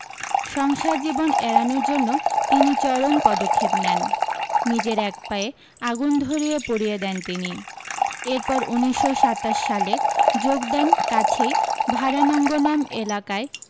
সংসার জীবন এড়ানোর জন্য তিনি চরম পদক্ষেপ নেন নিজের এক পায়ে আগুন ধরিয়ে পুড়িয়ে দেন তিনি এরপর উনিশশ সাতাশ সালে যোগ দেন কাছেই ভারানঙ্গনম এলাকায়